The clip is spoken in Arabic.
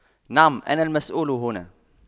نعم انا المسؤول هنا